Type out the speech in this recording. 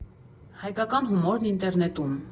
Հայկական հումորն ինտերնետում։